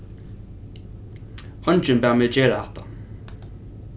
eingin bað meg gera hatta